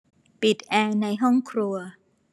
ปิดแอร์ในห้องครัว